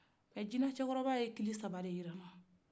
e jinɛcɛkɔrɔba ye kilisaba de jira ne na